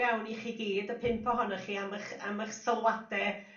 iawn i chi gyd y pump ohonoch chi am am eich sylwade